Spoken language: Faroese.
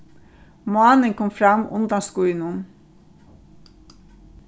mánin kom fram undan skýnum